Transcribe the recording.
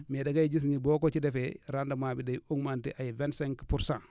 mais da ngay gis ni boo ko ci defee rendement bi day augmenter ay vingt cinq pour cent